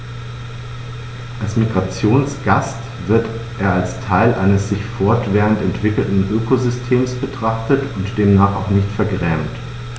Als Migrationsgast wird er als Teil eines sich fortwährend entwickelnden Ökosystems betrachtet und demnach auch nicht vergrämt.